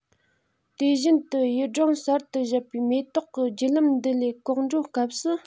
དེ བཞིན དུ ཡུལ སྦྲང གསར དུ བཞད པའི མེ ཏོག གི བརྒྱུད ལམ འདི ལས གོག འགྲོ སྐབས སུ